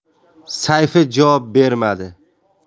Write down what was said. sayfi javob bermadi